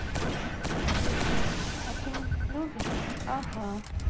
песня а ты меня любишь ага